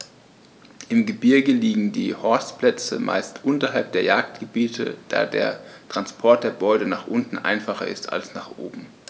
Im Gebirge liegen die Horstplätze meist unterhalb der Jagdgebiete, da der Transport der Beute nach unten einfacher ist als nach oben.